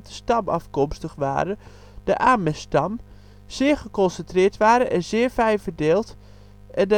stam afkomstig waren (de Ames-stam), zeer geconcentreerd waren en zeer fijn verdeeld en